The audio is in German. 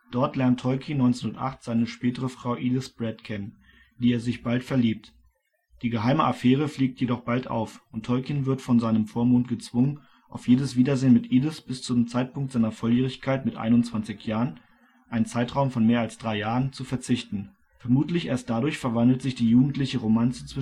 Dort lernt Tolkien 1908 seine spätere Frau Edith Bratt kennen, in die er sich bald verliebt. Die geheime Affäre fliegt jedoch bald auf und Tolkien wird von seinem Vormund gezwungen, auf jedes Wiedersehen mit Edith bis zum Zeitpunkt seiner Volljährigkeit mit einundzwanzig Jahren (ein Zeitraum von mehr als drei Jahren) zu verzichten. Vermutlich erst dadurch verwandelt sich die jugendliche Romanze